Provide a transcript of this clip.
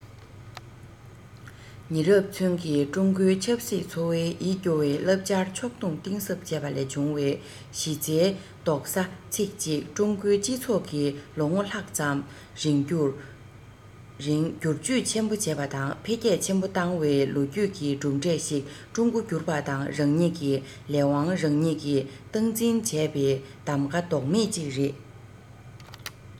ཉེ རབས ཚུན གྱི ཀྲུང གོའི ཆབ སྲིད འཚོ བའི ཡིད སྐྱོ བའི བསླབ བྱར ཕྱོགས སྡོམ གཏིང ཟབ བྱས པ ལས བྱུང བའི གཞི རྩའི བསྡོམས ཚིག ཅིག ཀྲུང གོའི སྤྱི ཚོགས ཀྱིས ལོ ངོ ལྷག ཙམ རིང སྒྱུར བཅོས ཆེན པོ བྱས པ དང འཕེལ རྒྱས ཆེན པོ བཏང བའི ལོ རྒྱུས ཀྱི གྲུབ འབྲས ཤིག ཀྲུང གོ གྱུར པ དང རང ཉིད ཀྱི ལས དབང རང ཉིད ཀྱིས སྟངས འཛིན བྱས པའི གདམ ག ལྡོག མེད ཅིག རེད